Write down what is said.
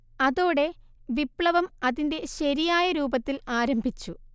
അതോടെ വിപ്ലവം അതിന്റെ ശരിയായ രൂപത്തിൽ ആരംഭിച്ചു